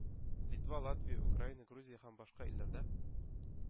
Литва, Латвия, Украина, Грузия һәм башка илләрдә